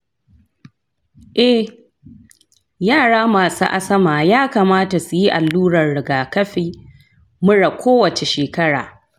eh, yara masu asma ya kamata su yi allurar rigakafin mura kowace shekara.